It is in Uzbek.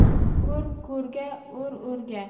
ko'r ko'rga o'r o'rga